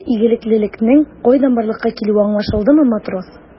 Миндә игелеклелекнең кайдан барлыкка килүе аңлашылдымы, матрос?